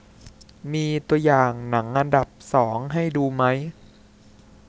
มีตัวอย่างหนังอันดับสองให้ดูไหม